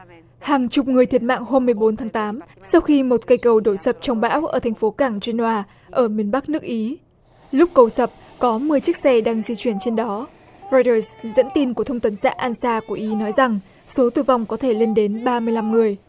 hàng chục người thiệt mạng hôm mười bốn tháng tám sau khi một cây cầu đổ sập trong bão ở thành phố cảng chuyên oa ở miền bắc nước ý lúc cầu sập có mười chiếc xe đang di chuyển trên đó ây đờ dẫn tin của thông tấn xã ý an sa của ý nói rằng số tử vong có thể lên đến ba mươi lăm người